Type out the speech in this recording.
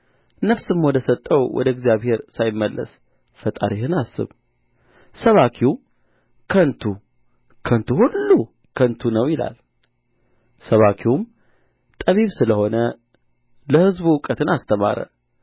ነፍስም ወደ ሰጠው ወደ እግዚአብሔር ሳይመለስ ፈጣሪህን አስብ ሰባኪው ከንቱ ከንቱ ሁሉ ከንቱ ነው ይላል ሰባኪውም ጠቢብ ስለ ሆነ ለሕዝቡ እውቀትን አስተማረ